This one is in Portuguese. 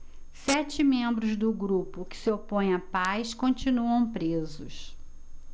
sete membros do grupo que se opõe à paz continuam presos